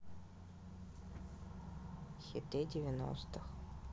хиты девяностых